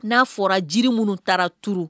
N'a fɔra jiri minnu taara tuuru